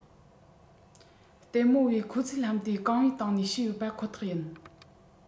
ལྟད མོ བས ཁོ ཚོས ལྷམ དེ རྐང བའི སྟེང ནས བཤུས ཡོད པ ཁོ ཐག ཡིན